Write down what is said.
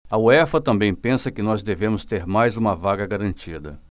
a uefa também pensa que nós devemos ter mais uma vaga garantida